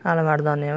alimardonning emas